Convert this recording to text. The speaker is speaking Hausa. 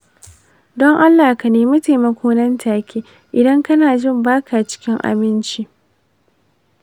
don allah ka nemi taimako nan take idan kana jin ba ka cikin aminci.